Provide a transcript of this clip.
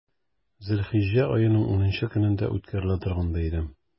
Зөлхиҗҗә аеның унынчы көнендә үткәрелә торган бәйрәм.